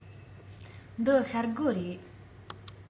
འདི ཤེལ སྒོ རེད